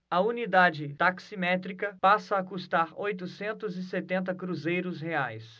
a unidade taximétrica passa a custar oitocentos e setenta cruzeiros reais